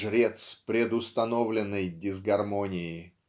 жрец предустановленной дисгармонии.